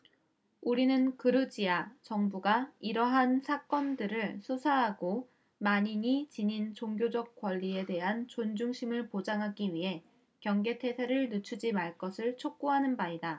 우리는 그루지야 정부가 이러한 사건들을 수사하고 만인이 지닌 종교적 권리에 대한 존중심을 보장하기 위해 경계 태세를 늦추지 말 것을 촉구하는 바이다